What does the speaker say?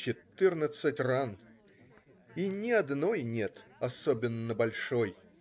Четырнадцать ран и ни одной нет особенно большой.